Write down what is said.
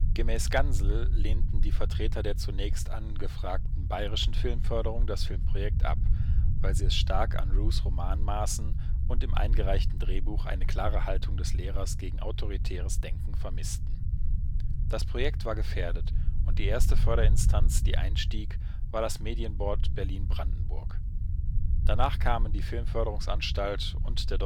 Gemäß Gansel lehnten die Vertreter der zunächst angefragten bayrischen Filmförderung das Filmprojekt ab, weil sie es stark an Rhues Roman maßen und im eingereichten Drehbuch eine klare Haltung des Lehrers gegen autoritäres Denken vermissten. Das Projekt war gefährdet und die erste Förderinstanz, die einstieg, war das Medienboard Berlin-Brandenburg. Danach kamen die Filmförderungsanstalt und der